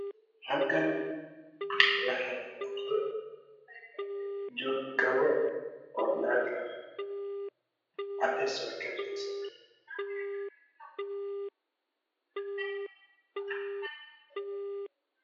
Waa kabo dumar midabkoodii yahay caddaan katiinad ayaa dahabi ah miis cadaan ayaa u yaalla